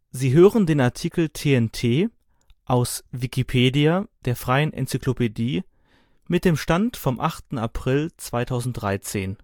Sie hören den Artikel TNT (Album), aus Wikipedia, der freien Enzyklopädie. Mit dem Stand vom Der